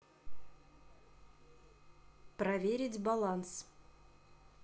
проверить баланс